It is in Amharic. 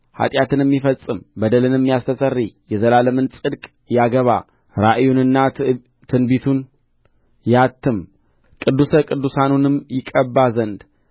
ኃጢአትንም ይፈጽም በደልንም ያስተሰርይ የዘላለምን ጽድቅ ያገባ ራእይንና ትንቢትን ያትም ቅዱሰ ቅዱሳኑንም ይቀባ ዘንድ